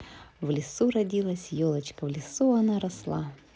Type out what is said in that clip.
в лесу родилась елочка в лесу она росла